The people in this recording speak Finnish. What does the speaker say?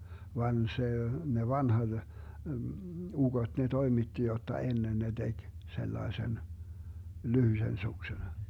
vaan se ne vanhat ukot ne toimitti jotta ennen ne teki sellaisen lyhyisen suksen